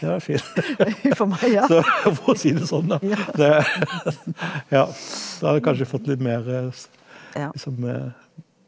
det hadde vært fint for å si det sånn da det er ja da hadde vi kanskje fått litt mere liksom mer.